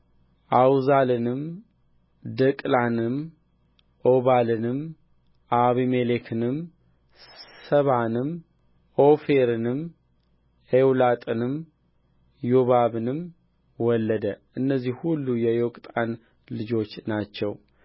አውዛልንም ደቅላንም ዖባልንም አቢማኤልንም ሳባንም ኦፊርንም ኤውላጥንም ዩባብንም ወለደ እነዚህ ሁሉ የዮቅጣን ልጆች ናቸው